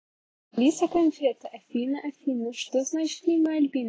алиса конфета афина афина что значит имя альбина